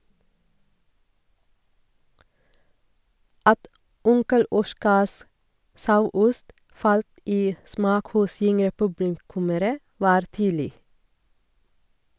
At "Onkel Oskars sauost" falt i smak hos yngre publikummere var tydelig.